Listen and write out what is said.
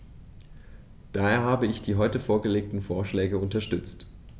Daher habe ich die heute vorgelegten Vorschläge unterstützt.